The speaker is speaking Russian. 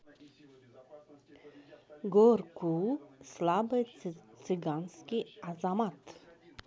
gorky слабый цыганский азамат